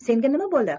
senga nima bo'ldi